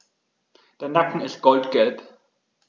Der Nacken ist goldgelb.